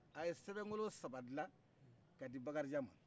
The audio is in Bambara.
a ye sebenkolo saba dilen k'a di bakarijan ma